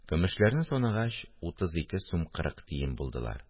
Көмешләрне санагач, утыз ике сум кырык тиен булдылар